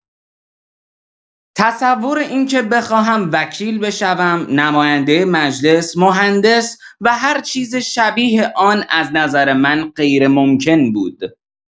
تصور اینکه بخواهم وکیل بشوم، نماینده مجلس، مهندس، و هرچیز شبیه آن از نظر من غیرممکن بود.